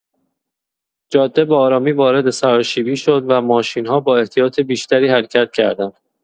جاده به‌آرامی وارد سراشیبی شد و ماشین‌ها با احتیاط بیشتری حرکت کردند.